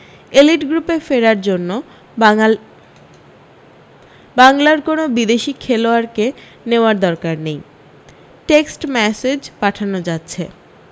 elite গ্রুপে ফেরার জন্য বাঙাল বাংলার কোনো বিদেশি খেলোয়াড়কে নেওয়ার দরকার নেই টেক্সট মেসেজ পাঠানো যাচ্ছে